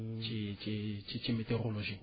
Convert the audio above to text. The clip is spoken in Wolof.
ci ci ci météorologie